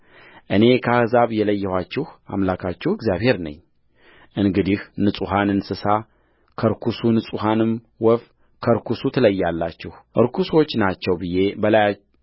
እኔ ከአሕዛብ የለየኋችሁ አምላካችሁ እግዚአብሔር ነኝእንግዲህ ንጹሑን እንስሳ ከርኩሱ ንጹሑንም ወፍ ከርኩስ ትለያላችሁ ርኩሶች ናቸው ብዬ